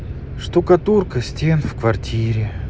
штукатурка стен в квартире